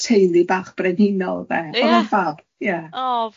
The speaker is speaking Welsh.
teulu bach brenhinol 'de... Ia!.. O'dd o'n ffab, ia.